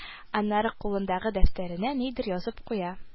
Аннары кулындагы дәфтәренә нидер язып куя